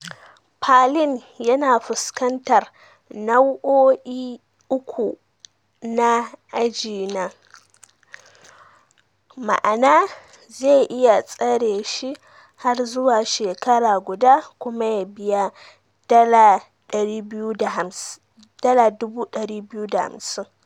Palin yana fuskantar nau'o'i uku na Aji na, ma'ana zai iya tsare shi har zuwa shekara guda kuma ya biya $ 250,000.